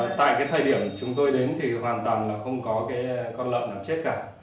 tại thời điểm chúng tôi đến thì hoàn toàn là không có cái con lợn nào chết cả